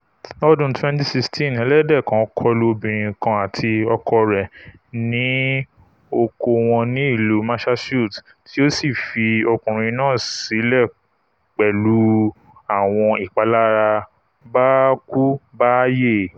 Lọ́dún 2016, ẹlẹ́dẹ̀ kan kọlu obìnrin kan àti ọkọ rẹ̀ ní oko wọn ní ìlú Massachusetts, tí ò sì fi ọkùnrin náà sílẹ pẹ̀lú àwọn ìpalára báákú-bááyè.